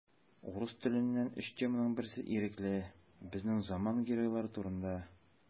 Урыс теленнән өч теманың берсе ирекле: безнең заман геройлары турында.